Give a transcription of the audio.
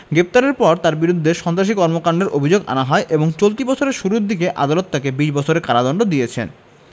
গ্রেপ্তারের পর তাঁর বিরুদ্ধে সন্ত্রাসী কার্যক্রমের অভিযোগ আনা হয় এবং চলতি বছরের শুরুর দিকে আদালত তাকে ২০ বছরের কারাদণ্ড দিয়েছেন